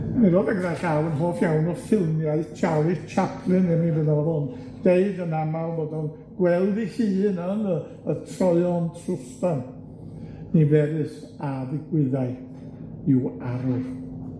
Mi ro'dd e gyda llaw yn hoff iawn o ffilmiau Charlie Chaplin er mi fydd ro'dd o'n deud yn amal bod o'n gweld ei hun yn y y troeon trwstan, niferus a ddigwyddai i'w arwr.